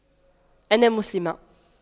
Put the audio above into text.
أنا مسلمة